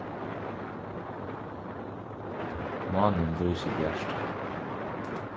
mánin lýsir bjartur